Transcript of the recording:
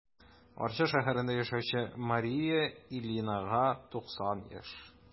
Арча шәһәрендә яшәүче Мария Ильинага 90 яшь.